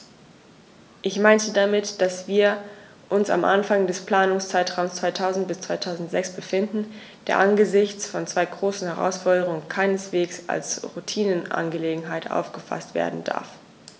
Ich meine damit, dass wir uns am Anfang des Planungszeitraums 2000-2006 befinden, der angesichts von zwei großen Herausforderungen keineswegs als Routineangelegenheit aufgefaßt werden darf.